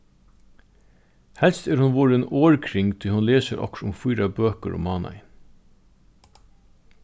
helst er hon vorðin so orðkring tí hon lesur okkurt um fýra bøkur um mánaðin